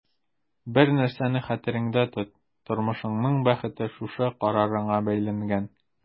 Бер нәрсәне хәтерендә тот: тормышыңның бәхете шушы карарыңа бәйләнгән.